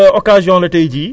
waaw